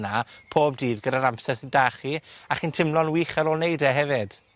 'na pob dydd gyda'r amser sy'n 'da chi, a chi'n timlo'n wych ar ôl neud e hefyd.